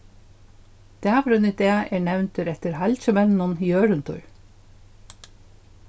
dagurin í dag er nevndur eftir halgimenninum jørundur